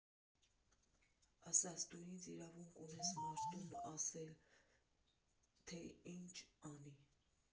Ասաց՝ «դու ի՞նչ իրավունք ունես մարդուն ասել, թե նա ինչ անի»։